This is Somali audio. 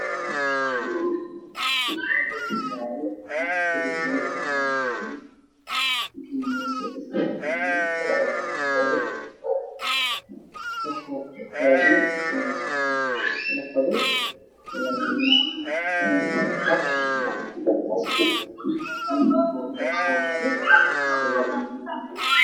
Meeshan waa waddo godweyn ayaa ka qaadan ayaa ku jiri jiray midna uu ag marayaa mushaati qabaa ayaa ag maraayo oo shaati midooday